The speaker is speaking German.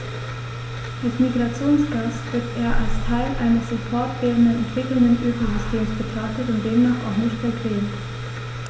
Als Migrationsgast wird er als Teil eines sich fortwährend entwickelnden Ökosystems betrachtet und demnach auch nicht vergrämt.